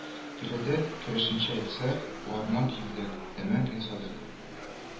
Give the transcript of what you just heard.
Гәләдек, керәшенчә әйтсәк, уармак килдек, дәмәк ясадык